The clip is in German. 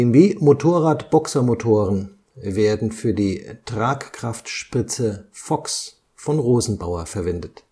BMW-Motorrad-Boxermotoren werden für die Tragkraftspritze „ Fox “von Rosenbauer verwendet